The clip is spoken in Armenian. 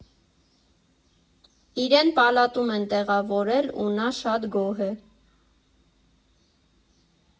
Իրեն պալատում են տեղավորել ու նա շատ գոհ է։